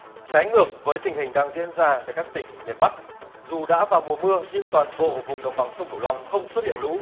trái ngược với tình hình đang diễn ra tại các tỉnh miền bắc dù đã vào mùa mưa nhưng toàn bộ vùng đồng bằng sông cửu long không xuất hiện lũ